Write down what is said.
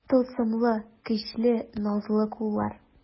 Тылсымлы, көчле, назлы куллар.